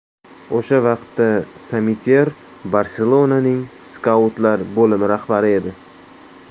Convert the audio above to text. o'sha vaqtda samityer barselona ning skautlar bo'limi rahbari edi